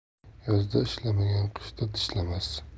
yozda ishlamagan qishda tishlamas